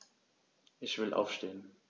Ich will aufstehen.